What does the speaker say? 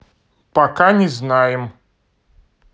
пока не знаем